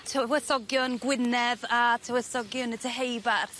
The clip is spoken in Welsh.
Tywysogion Gwynedd a tywysogion y Deheubarth.